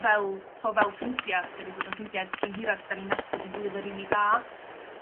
fel t'o' fel ffrindia' 'dyn ni fod yn frindia ers cyn hirad 'dan ni'n nabod ein gilydd y' rili da.